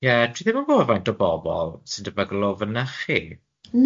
Ie dwi ddim yn gwbod faint o bobol sy'n debygol o fynychu.